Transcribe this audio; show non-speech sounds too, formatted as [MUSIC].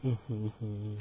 [HESITATION] [HESITATION]